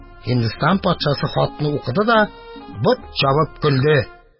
Һиндстан патшасы хатны укыды да бот чабып көлде.